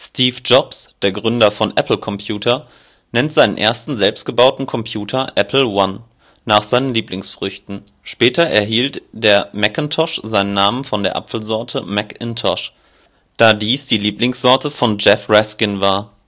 Steve Jobs, der Gründer von Apple Computer (heute Apple) nennt seinen ersten selbstgebauten Computer Apple I nach seinen Lieblingsfrüchten. Später erhielt der Macintosh seine Namen von der Apfelsorte McIntosh, da dies die Lieblingssorte von Jef Raskin war